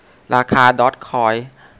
ราคาดอร์จคอย